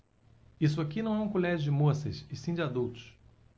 isto aqui não é um colégio de moças e sim de adultos